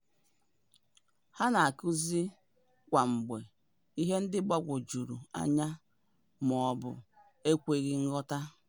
Ha na-akuzi kwamgbe ihe ndị mgbagwojuru anya ma ọ bụ ekweghị nghọta.